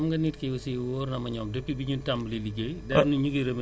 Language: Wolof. xam nga nit ki aussi wóor na ma ñoom depuis bi ñu tàmbalee liggéey